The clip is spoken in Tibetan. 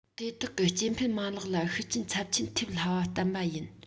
དེ དག གི སྐྱེ འཕེལ མ ལག ལ ཤུགས རྐྱེན ཚབས ཆེན ཐེབས སླ བ བསྟན པ ཡིན